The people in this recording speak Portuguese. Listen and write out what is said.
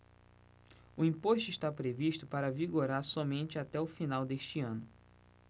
o imposto está previsto para vigorar somente até o final deste ano